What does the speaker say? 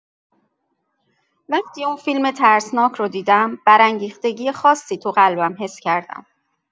وقتی اون فیلم ترسناک رو دیدم، برانگیختگی خاصی توی قلبم حس کردم.